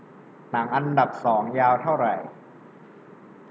หนังอันดับสองยาวเท่าไหร่